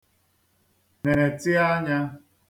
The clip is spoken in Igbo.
netị anya